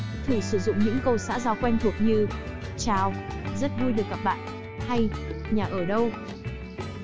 thử sử dụng những câu xã giao quen thuộc như chào ở đâu